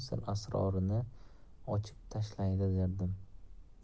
sir asrorini ochib tashlaydi derdim